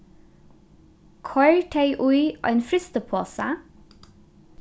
koyr tey í ein frystiposa